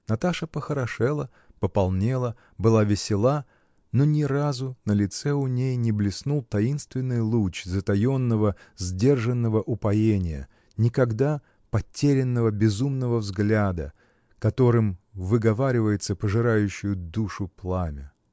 Наташа похорошела, пополнела, была весела, но ни разу на лице у ней не блеснул таинственный луч затаенного, сдержанного упоения, никогда — потерянного, безумного взгляда, которым выговаривается пожирающее душу пламя.